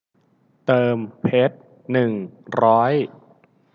เติมเพชรหนึ่งร้อย